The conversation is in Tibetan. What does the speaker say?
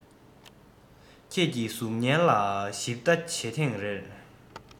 ཁྱེད ཀྱི གཟུགས བརྙན ལ ཞིབ ལྟ བྱེད ཐེངས རེར